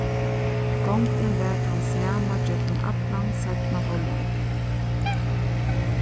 gongdin var tann sama gjøgnum allan seinna hálvleik